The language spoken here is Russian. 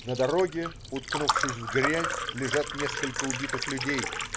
На дороге, уткнувшись в грязь, лежат несколько убитых людей.